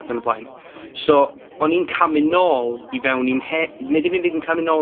ac yn y blaen. So, o'n i'n camu nôl i fewn i'n he-, nid yn unig yn camu nôl